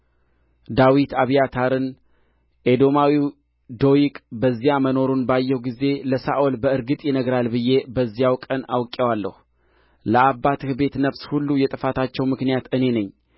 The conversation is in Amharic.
ዳዊት አብያታርን ኤዶማዊው ዶይቅ በዚያ መኖሩን ባየሁ ጊዜ ለሳኦል በእርግጥ ይነግራል ብዬ በዚያው ቀን አውቄዋለሁ ለአባትህ ቤት ነፍስ ሁሉ የጥፋታቸው ምክንያት እኔ ነኝ